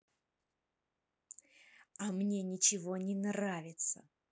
а мне ничего не нравится